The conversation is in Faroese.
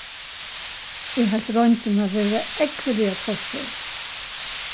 eg helt royndina vera ógvuliga torføra